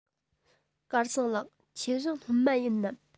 སྐལ བཟང ལགས ཁྱེད རང སློབ མ ཡིན ནམ